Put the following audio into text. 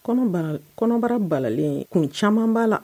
Kɔnɔbara balalen kun caman b'a la